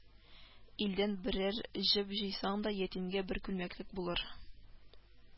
Илдән берәр җеп җыйсаң да, ятимгә бер күлмәклек булыр